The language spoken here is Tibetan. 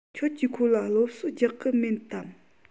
ཁྱོད ཀྱིས ཁོ ལ སློབ གསོ རྒྱག གི མེད དམ